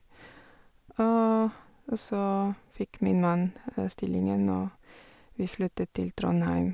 og Og så fikk min mann stillingen, og vi flyttet til Trondheim.